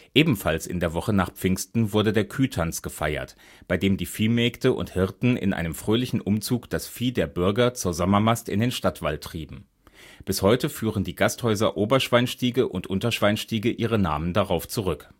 Ebenfalls in der Woche nach Pfingsten wurde der Kühtanz gefeiert, bei dem die Viehmägde und Hirten in einem fröhlichen Umzug das Vieh der Bürger zur Sommermast in den Stadtwald trieben. Bis heute führen die Gasthäuser Oberschweinstiege und Unterschweinstiege ihre Namen darauf zurück